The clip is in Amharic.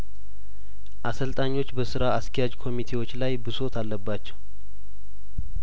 አሰልጣኞች በስራ አስኪያጅ ኮሚቴዎች ላይ ብሶት አለባቸው